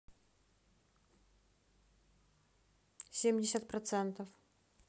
семьдесят процентов